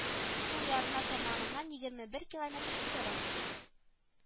Сул ярына тамагыннан егерме бер километр өстәрәк